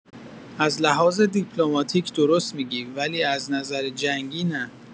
از لحاظ دیپلماتیک درست می‌گی ولی از نظر جنگی نه